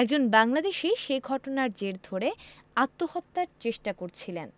একজন বাংলাদেশি সে ঘটনার জের ধরে আত্মহত্যার চেষ্টা করছিলেন